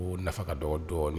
Ko nafa ka dɔ dɔn